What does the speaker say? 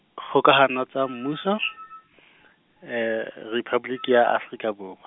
Kgokahano tsa Mmuso , Rephaboliki ya Afrika Borwa.